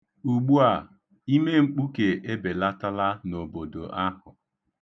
Ugbua, imemkpuke ebelatala n'obodo ahụ.